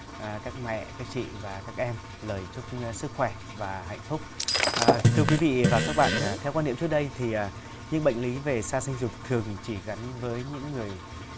à các mẹ các chị và các em lời chúc sức khỏe và hạnh phúc à thưa quý vị và các bạn à theo quan niệm trước đây thì à những bệnh lý về sa sinh dục thường chỉ gắn với những người